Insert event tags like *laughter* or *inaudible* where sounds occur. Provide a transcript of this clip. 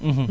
*hesitation* *hesitation*